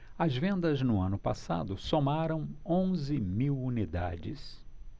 as vendas no ano passado somaram onze mil unidades